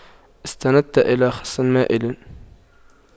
استندت إلى خصٍ مائلٍ